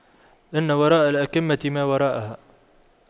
إن وراء الأَكَمةِ ما وراءها